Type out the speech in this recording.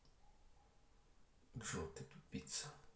джой ты тупица